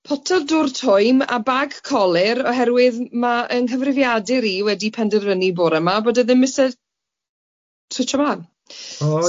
potel dŵr twym a bag colur oherwydd ma' yng nghyfrifiadur i wedi penderfynu bore 'ma bod e ddim isie switsio mlân.